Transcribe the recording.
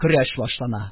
Көрәш башлана.